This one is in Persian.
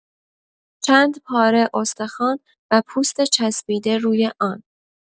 چند پاره استخوان و پوست چسبیده روی آن.